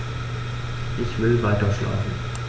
Ich will weiterschlafen.